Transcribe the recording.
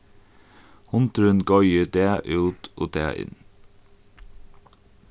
hundurin goyði dag út og dag inn